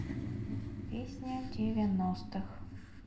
песня девяностых